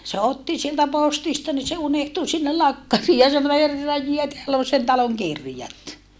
se otti sieltä postista niin se unohtui sinne lakkariin ja sanoi herran jee täällä on sen talon kirjat